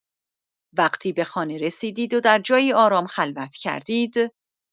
وقتی به خانه رسیدید و در جایی آرام خلوت کردید.